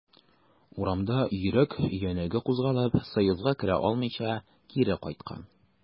Урамда йөрәк өянәге кузгалып, союзга керә алмыйча, кире кайткан.